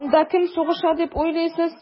Анда кем сугыша дип уйлыйсыз?